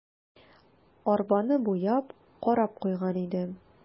Арбаны буяп, карап куйган идем.